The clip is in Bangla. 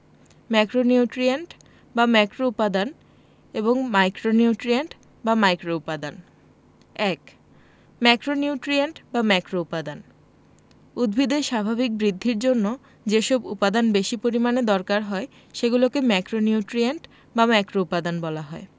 ম্যাক্রোনিউট্রিয়েন্ট বা ম্যাক্রোউপাদান এবং মাইক্রোনিউট্রিয়েন্ট বা মাইক্রোউপাদান ১ ম্যাক্রোনিউট্রিয়েন্ট বা ম্যাক্রোউপাদান উদ্ভিদের স্বাভাবিক বৃদ্ধির জন্য যেসব উপাদান বেশি পরিমাণে দরকার হয় সেগুলোকে ম্যাক্রোনিউট্রিয়েন্ট বা ম্যাক্রোউপাদান বলা হয়